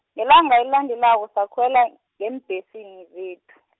ngelanga elilandelako sakhwela, ngeembhesini zethu.